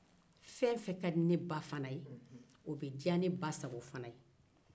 fɛn o fɛn ka di ne ba ye o be diya ne bassago ye